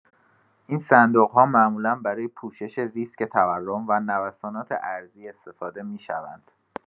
این صندوق‌ها معمولا برای پوشش ریسک تورم و نوسانات ارزی استفاده می‌شوند.